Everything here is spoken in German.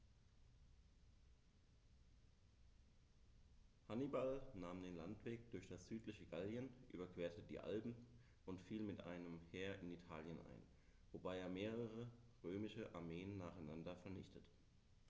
Hannibal nahm den Landweg durch das südliche Gallien, überquerte die Alpen und fiel mit einem Heer in Italien ein, wobei er mehrere römische Armeen nacheinander vernichtete.